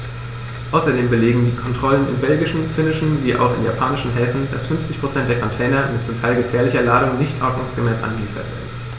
Außerdem belegen Kontrollen in belgischen, finnischen wie auch in japanischen Häfen, dass 50 % der Container mit zum Teil gefährlicher Ladung nicht ordnungsgemäß angeliefert werden.